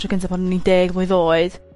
tro gynta pan o'n i'n deg mlwydd oed.